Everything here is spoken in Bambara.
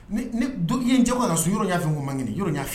In tɔgɔ ka so yɔrɔ'fɛ u man ɲini yɔrɔ'a